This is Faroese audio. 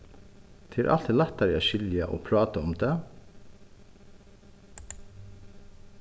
tað er altíð lættari at skilja og práta um tað